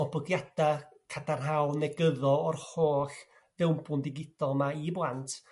goblygiada' cadarnhaol negyddol o'r holl dewnbwn digidol 'ma i blant?